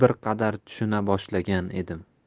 bir qadar tushuna boshlagan edim